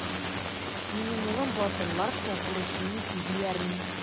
Минем улым батырларча бурычын үти диярмен.